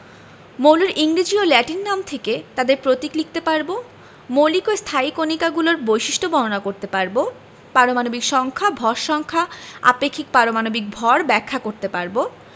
মৌলের ইংরেজি ও ল্যাটিন নাম থেকে তাদের প্রতীক লিখতে পারব মৌলিক ও স্থায়ী কণিকাগুলোর বৈশিষ্ট্য বর্ণনা করতে পারব পারমাণবিক সংখ্যা ভর সংখ্যা আপেক্ষিক পারমাণবিক ভর ব্যাখ্যা করতে পারব